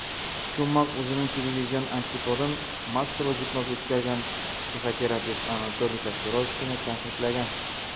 Чумак үзенең телевизион антиподын - массалы гипноз үткәргән психотерапевт Анатолий Кашпировскийны тәнкыйтьләгән.